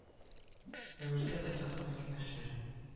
Рәвештә дә фәһемле киңәшләр